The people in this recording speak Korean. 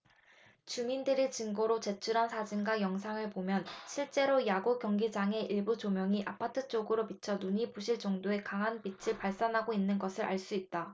주민들이 증거로 제출한 사진과 영상을 보면 실제로 야구경기장의 일부 조명이 아파트 쪽으로 비쳐 눈이 부실 정도의 강한 빛을 발산하고 있는 것을 알 수 있다